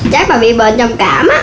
chắc bà bị bệnh trầm cảm á